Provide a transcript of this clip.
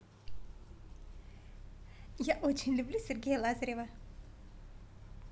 я очень люблю сергея лазарева